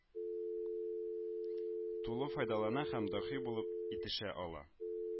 Тулы файдалана һәм даһи булып итешә ала